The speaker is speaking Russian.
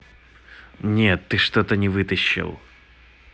нет ты что то не то вытащил